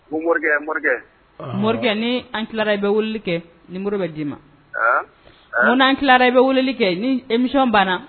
Ko morikɛ morikɛ morikɛ ni an tilara i bɛ wuli kɛ ni mori bɛ d di'i ma ko anan tilara i bɛ wulili kɛ ni emi nisɔn banna